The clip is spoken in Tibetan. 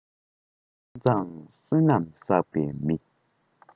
ཁོང མཛངས བསོད ནམས བསགས པའི མི